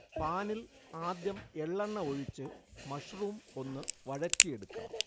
പാനിൽ ആദ്യം എള്ളെണ്ണ ഒഴിച്ച് മഷ്റൂം ഒന്ന് വഴറ്റിയെടുക്കണം